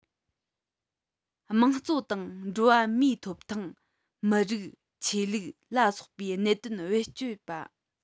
དམངས གཙོ དང འགྲོ བ མིའི ཐོབ ཐང མི རིགས ཆོས ལུགས ལ སོགས པའི གནད དོན བེད སྤྱད པ